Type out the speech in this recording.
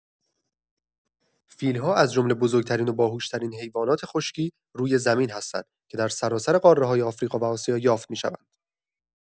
فیل‌ها از جمله بزرگ‌ترین و باهوش‌ترین حیوانات خشکی روی زمین هستند که در سراسر قاره‌های آفریقا و آسیا یافت می‌شوند.